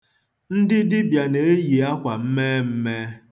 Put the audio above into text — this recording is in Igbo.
Ndị dibịa na-eyi akwa mmeemmee.